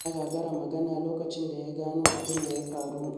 Ya gagara magana a lokacin da ya gano abin da ya faru.